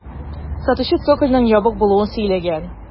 Сатучы цокольның ябык булуын сөйләгән.